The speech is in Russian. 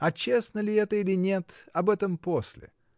А честно ли это, или нет — об этом после.